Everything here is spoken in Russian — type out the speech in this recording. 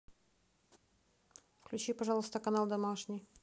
включи пожалуйста канал домашний